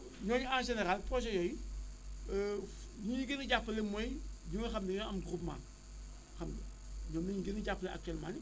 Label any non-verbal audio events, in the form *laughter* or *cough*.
ñooñu en général projets yooyu *hesitation* ñi ñuy gën a jàppale mooy ñoo xam ne dañoo am groupement xamù nga ñoom la ñuy gën a jàppale actuellemnt nii